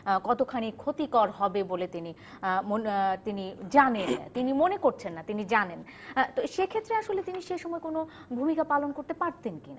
কতখানি ক্ষতিকর হবে বলে তিনি মনে জানেন মনে করছেন না তিনি জানেন সেক্ষেত্রে আসলে তিনি সে সময় কোন ভূমিকা পালন করতে পারতেন কিনা